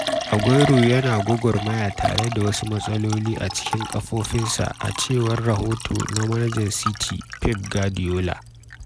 “Aguero yana gwagwarmaya tare da wasu matsaloli a cikin ƙafofinsa,” a cewar rahoto na manajan City Pep Guardiola.